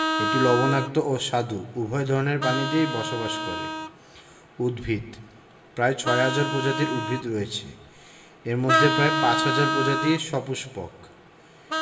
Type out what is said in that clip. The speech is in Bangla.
এটি লবণাক্ত ও স্বাদু উভয় ধরনের পানিতেই বসবাস করে উদ্ভিদঃ মোট প্রায় ৬ হাজার প্রজাতির উদ্ভিদ রয়েছে এর মধ্যে প্রায় ৫ হাজার প্রজাতি সপুষ্পক